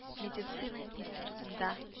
Медицина институтында